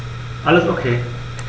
Alles OK.